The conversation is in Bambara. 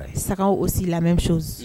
Saga o si lamɛnw